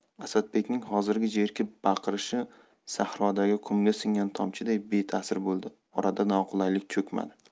asadbekning hozirgi jerkib baqirishi sahrodagi qumga singgan tomchiday beta'sir bo'ldi oraga noqulaylik cho'kmadi